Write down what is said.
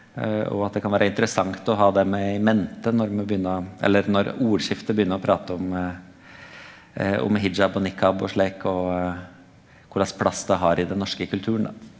og at det kan vere interessant å ha det med in mente når me begynner eller når ordskiftet begynner å prate om om hijab og nikab og slik og korleis plass det har i den norske kulturen da.